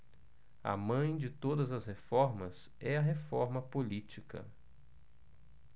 a mãe de todas as reformas é a reforma política